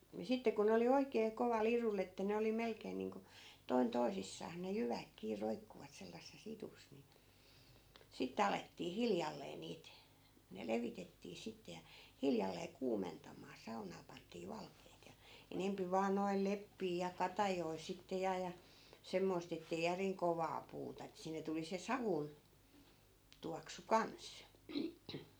niin sitten kun ne oli oikein kovalla idulla että ne oli melkein niin kuin toinen toisissaan ne jyvät kiinni roikkuivat sellaisessa idussa niin sitten alettiin hiljalleen niitä ne levitettiin sitten ja hiljalleen kuumentamaan saunaan pantiin valkeat ja enempi vain noilla leppiä ja katajia sitten ja ja semmoista että ei järin kovaa puuta että sinne tuli se savun tuoksu kanssa